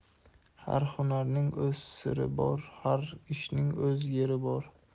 har hunarning o'z siri bor har ishning o'z yeri bor